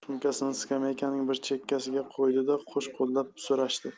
sumkasini skameykaning bir chekkasiga qo'ydi da qo'sh qo'llab so'rashdi